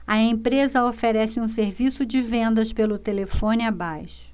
a empresa oferece um serviço de vendas pelo telefone abaixo